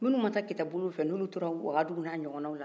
minun ma taa kita bolo fɛ n'olu tora wagadugu n'a ɲɔgɔnaw la